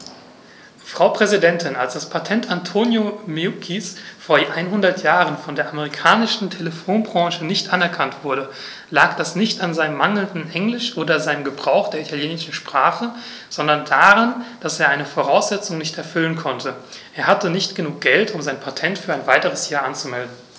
Frau Präsidentin, als das Patent Antonio Meuccis vor einhundert Jahren von der amerikanischen Telefonbranche nicht anerkannt wurde, lag das nicht an seinem mangelnden Englisch oder seinem Gebrauch der italienischen Sprache, sondern daran, dass er eine Voraussetzung nicht erfüllen konnte: Er hatte nicht genug Geld, um sein Patent für ein weiteres Jahr anzumelden.